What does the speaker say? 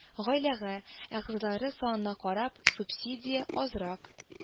Гаиләгә, әгъзалары санына карап, субсидия азрак